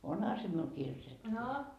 onhan se minulla kirjoitettu